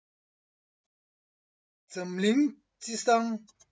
འཛམ གླིང སྤྱི བསང